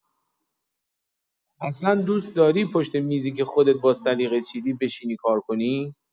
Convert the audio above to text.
اصلا دوست‌داری پشت میزی که خودت با سلیقه چیدی بشینی کار کنی؟